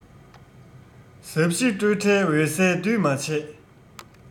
ཟབ ཞི སྤྲོས བྲལ འོད གསལ འདུས མ བྱས